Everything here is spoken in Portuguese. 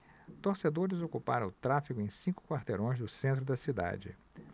torcedores ocuparam o tráfego em cinco quarteirões do centro da cidade